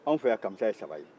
anw fɛ yan kamisa ye saba ye